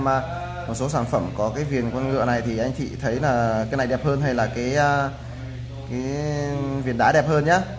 anh chị hãy xem một số sản phẩm có viền này anh chị thấy viền chữ công đẹp hơn hay viền đá đẹp hơn